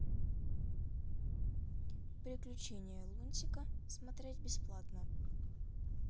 приключения лунтика смотреть бесплатно